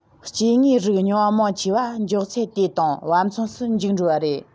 སྐྱེ དངོས རིགས རྙིང བ མང ཆེ བ མགྱོགས ཚད དེ དང བབ མཚུངས སུ འཇིག འགྲོ བ རེད